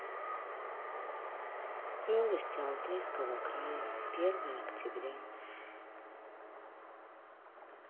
новости алтайского края первое октября